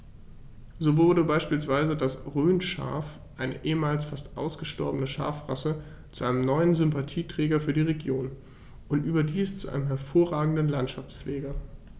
So wurde beispielsweise das Rhönschaf, eine ehemals fast ausgestorbene Schafrasse, zu einem neuen Sympathieträger für die Region – und überdies zu einem hervorragenden Landschaftspfleger.